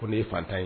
Ko ne ye fatan ye